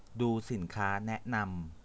ดูสินค้าแนะนำ